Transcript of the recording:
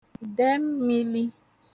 dẹ̀ mmīlī